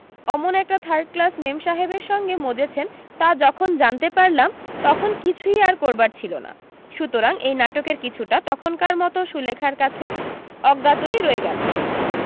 অমন একটা third class মেমসাহেবের সঙ্গে মজেছেন তা যখন জানতে পারলাম তখন কিছুই আর করবার ছিল না সুতরাং এই নাটকের কিছুটা তখনকার মতো সুলেখার কাছে অজ্ঞাতৈ রয়ে গেলো